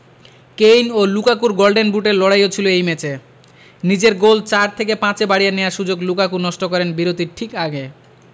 Kane ও লুকাকুর golden বুটের লড়াইও ছিল এই ম্যাচ নিজের গোল চার থেকে পাঁচে বাড়িয়ে নেওয়ার সুযোগ লুকাকু নষ্ট করেন বিরতির ঠিক আগে